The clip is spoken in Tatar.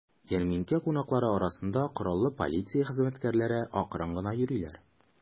Ярминкә кунаклары арасында кораллы полиция хезмәткәрләре акрын гына йөриләр.